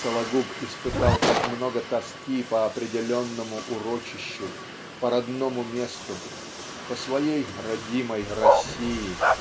Сологуб испытал так много тоски по определенному урочищу по родному месту по своей родимой России?